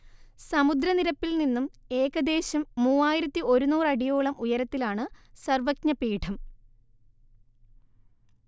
സമുദ്രനിരപ്പിൽ നിന്നും ഏകദേശം മൂവായിരത്തി ഒരുനൂറ് അടിയോളം ഉയരത്തിലാണ് സർവ്വജ്ഞപീഠം